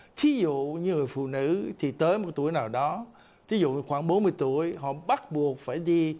thí dụ như người phụ nữ thì tới một tuổi nào đó thí dụ khoảng bốn mươi tuổi bắt buộc phải đi